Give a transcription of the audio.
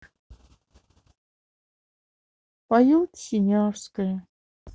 поет синявская